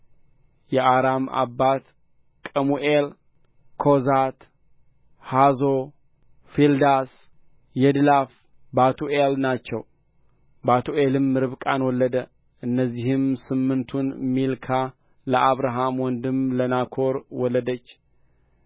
የአራም አባት ቀሙኤል ኮዛት ሐዞ ፊልዳሥ የድላፍ ባቱኤል ናቸው ባቱኤልም ርብቃን ወለደ እነዚህን ስምንቱን ሚልካ ለአብርሃም ወንድም ለናኮር ወለደች